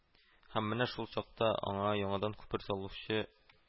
Һәм менә шул чакта анда яңадан күпер салучы